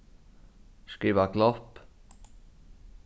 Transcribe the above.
skriva glopp